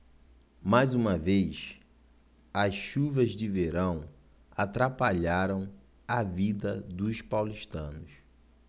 mais uma vez as chuvas de verão atrapalharam a vida dos paulistanos